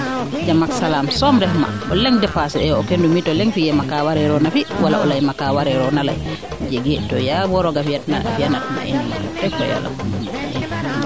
jama ak salam soom ref ma o leŋ dépasser ee o kenum it o leŋ fiyee ma kaa wareerona fi wala o leyma kaa wareerona ley jege to yeebo rooge fiyat na ino mat wax deg fa yala